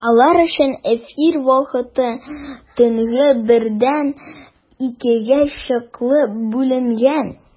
Алар өчен эфир вакыты төнге бердән икегә чаклы бүленгән.